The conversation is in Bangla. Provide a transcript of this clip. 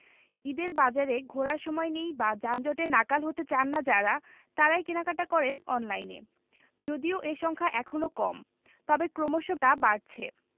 ঈদের বাজারে ঘোরার সময় নেই বা যানজটে নাকাল হতে চান না যাঁরা তাঁরাই কেনাকাটা করেন অনলাইনে যদিও এ সংখ্যা এখনো কম তবে ক্রমশ তা বাড়ছে